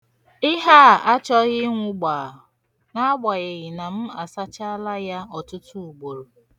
Ihe a achọghị inwu gbaa n'agbanyeghị na m asachala ya ọtụtụ ugboro